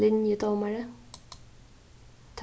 linjudómari